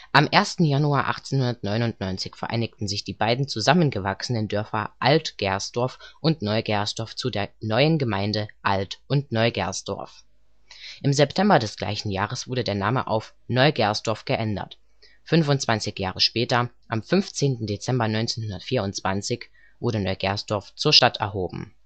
Am 1. Januar 1899 vereinigten sich die beiden zusammengewachsenen Dörfer Alt-Gersdorf und Neu-Gersdorf zu der neuen Gemeinde „ Alt - und Neugersdorf “. Im September des gleichen Jahres wurde der Name auf Neugersdorf geändert. Fünfundzwanzig Jahre später, am 15. Dezember 1924, wurde Neugersdorf zur Stadt erhoben